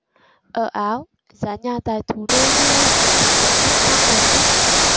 ở áo giá nhà tại thủ đô vienna chứng kiến mức tăng mạnh nhất